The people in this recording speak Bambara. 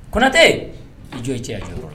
Konatɛ, i jɔ i cɛya jɔyɔrɔ la